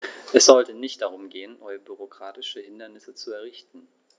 Es sollte nicht darum gehen, neue bürokratische Hindernisse zu errichten.